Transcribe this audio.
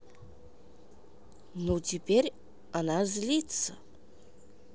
ну теперь она злится